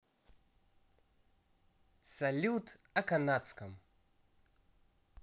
салют о канадском